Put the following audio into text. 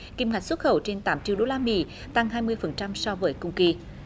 kim ngạch xuất khẩu trên tám triệu đô la mỹ tăng hai mươi phần trăm so với cùng kỳ